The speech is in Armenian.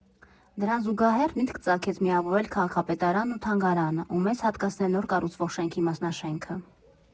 Դրան զուգահեռ միտք ծագեց միավորել քաղաքապետարանն ու թանգարանը ու մեզ հատկացնել նոր կառուցվող շենքի մասնաշենքը։